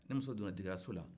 ni muso dun degera so la